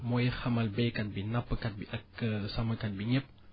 mooy xamal baykat bi nappkat bi ak sàmmkat bi ñépp